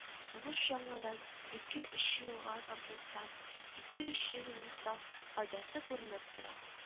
Сугыш яңадан ике-өч елга тартылса, ике-өч йөз мең саф файдасы күренеп тора